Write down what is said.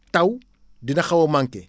taw dina xaw a manqué